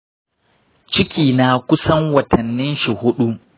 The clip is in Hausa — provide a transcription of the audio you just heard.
ciki na kusan watanshi huɗu.